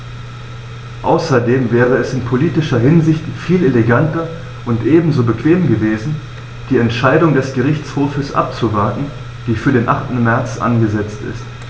Außerdem wäre es in politischer Hinsicht viel eleganter und ebenso bequem gewesen, die Entscheidung des Gerichtshofs abzuwarten, die für den 8. März angesetzt ist.